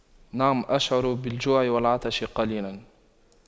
نعم أشعر بالجوع والعطش قليلا